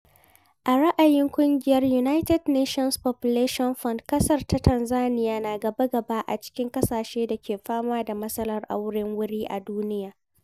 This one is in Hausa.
A ra'ayin ƙungiyar United Nations Population Fund, ƙasar ta Tanzaniya na gaba-gaba a cikin ƙasashe da ke fama da matsalar auren wuri a duniya.